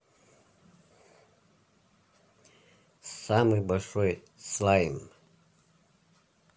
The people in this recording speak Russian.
самый большой слайм